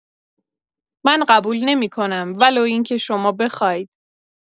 من قبول نمی‌کنم ولو اینکه شما بخواید